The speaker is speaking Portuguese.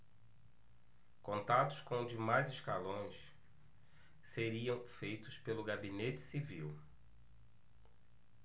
contatos com demais escalões seriam feitos pelo gabinete civil